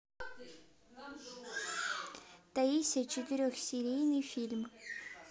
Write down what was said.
таисия четырехсерийный фильм